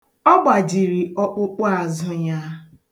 Ọ gbajiri ọkpụkpụazụ ya.